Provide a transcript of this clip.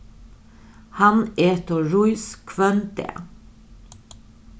hann etur rís hvønn dag